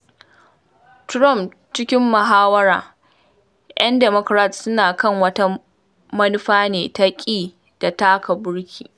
Trump cikin mahawara ‘yan Democrat suna kan wata manufa ne ta “ƙi da taka burki.”